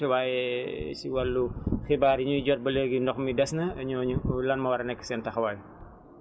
waaye si wàllu xibaar yi ñuy jot ba léegi ndox mi des na ñooñu lan moo war a nekk seen taxawaay